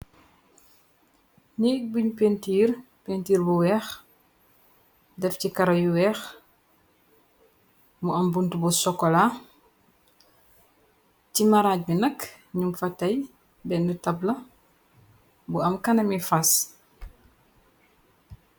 njeek buñ pintiir pintiir bu weex def ci kara yu weex mu am bunt bu sokola ci maraaj bi nakk num fa tey benn tabla bu am kanami faas